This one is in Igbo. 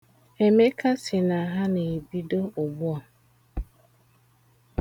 Emeka sị na ha na-ebido ugbu a.